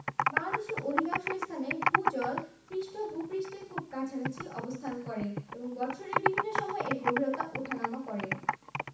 রাষ্ট্রায়ত্ত বাণিজ্যিক ব্যাংক এবং উন্নয়ন কর্মকান্ডে নিয়োজিত বিশেষ ধরনের ব্যাংকগুলোই মূলত দেশের ব্যাংকিং ব্যবস্থাকে নিয়ন্ত্রণ করে থাকে বাংলাদেশে প্রায় এক লক্ষ পয়তাল্লিশ হাজার সমবায় সমিতি রয়েছে